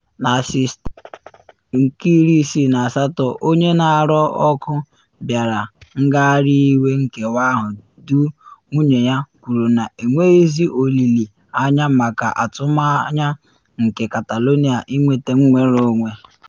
Narcis Termes, 68, onye na arụ ọkụ bịara ngagharị iwe nkewa ahụ du nwunye ya kwuru na ọ nweghịzị olile anya maka atụmanya nke Catalonia ịnweta nnwere onwe.